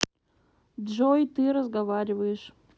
джой ты разговариваешь